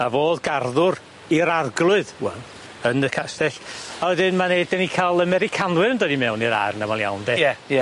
A fo o'dd garddwr i'r arglwydd t'wel yn y castell a wedyn ma' 'ne 'dan ni ca'l Americanwyr yn dod i mewn i'r ar' yn amal iawn de? Ie ie.